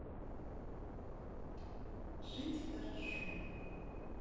жить хорошо